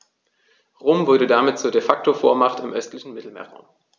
Rom wurde damit zur ‚De-Facto-Vormacht‘ im östlichen Mittelmeerraum.